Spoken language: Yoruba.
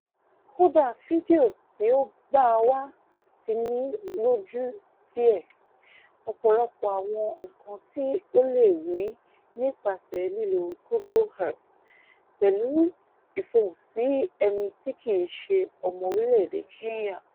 Kódà fídíò tí ó baa wá ti ni lójú díẹ̀:ọ̀pọ̀lọpọ̀ àwọn nkan tí o le rí nípasẹ̀ lílo Google Earth, pẹ̀lú ìfohùnsí ẹni tí kìí se ọmọ orílẹ̀ èdè Kenya.